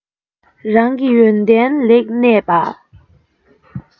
རང གི ཡོན ཏན ལེགས གནས པ